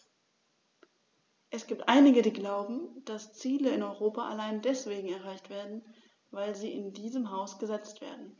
Es gibt einige, die glauben, dass Ziele in Europa allein deswegen erreicht werden, weil sie in diesem Haus gesetzt werden.